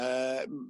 yy m-